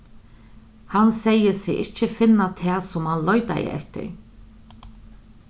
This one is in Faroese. hann segði seg ikki finna tað sum hann leitaði eftir